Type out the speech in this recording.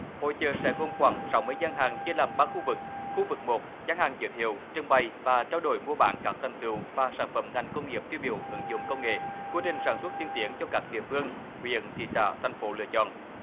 hội chợ sẽ gồm khoảng sáu mươi gian hàng chia làm ba khu vực khu vực một gian hàng giới thiệu trưng bày và trao đổi mua bán các thành tựu và sản phẩm ngành công nghiệp tiêu biểu ứng dụng công nghệ quy trình sản xuất tiên tiến cho các địa phương huyện thị xã thành phố lựa chọn